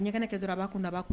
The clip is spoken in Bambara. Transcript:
Ɲɛgɛn ne kɛ dɔrɔn abaa kun da bba